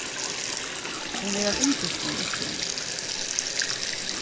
hon er av indiskum uppruna